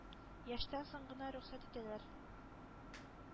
Яшьтән соң гына рөхсәт итәләр?